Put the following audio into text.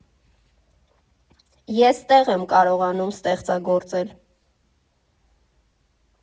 Ես ստեղ եմ կարողանում ստեղծագործել։